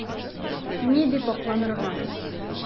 Ни дип акланырга?